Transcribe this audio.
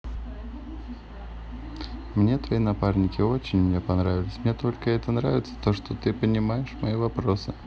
мне твои напарники очень мне понравились мне только это нравится то что ты понимаешь мои вопросы